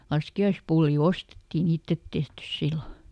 laskiaispullia ostettiin ei itse tehty silloin